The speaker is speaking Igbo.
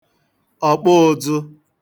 ọ̀kpụụ̄dzụ̄